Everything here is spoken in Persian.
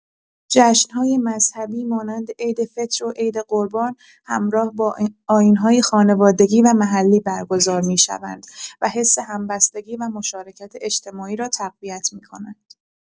جشن‌های مذهبی مانند عیدفطر و عید قربان همراه با آیین‌های خانوادگی و محلی برگزار می‌شوند و حس همبستگی و مشارکت اجتماعی را تقویت می‌کنند.